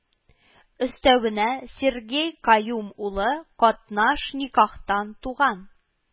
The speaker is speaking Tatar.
Өстәвенә, Сергей Каюм улы катнаш никахтан туган